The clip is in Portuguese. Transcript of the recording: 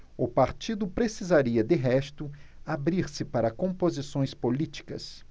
o partido precisaria de resto abrir-se para composições políticas